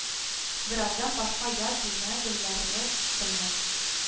Бераздан башка ят бүлмә гөлләре белән